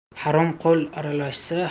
harom qo'l aralashsa